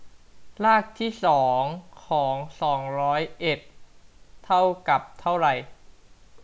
รากที่สองของสองร้อยเอ็ดเท่ากับเท่าไหร่